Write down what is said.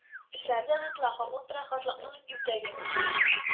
Эшләре дә онытыла, хаклык белән хаслыкның ирдәге